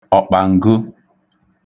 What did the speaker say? ọ̀kpàǹgo